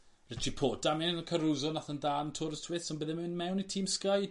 Richie Port. Damien Caruso nath yn da yn Tour da Suis ond bydd e'n myn' mewn i tîm Sky?